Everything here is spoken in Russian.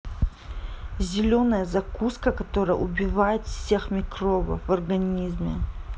зеленая закуска которая убивает всех микробов в организме